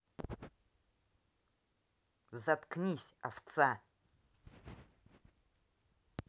заткнись овца